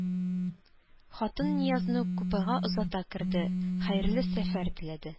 Хатын Ниязны купега озата керде, хәерле сәфәр теләде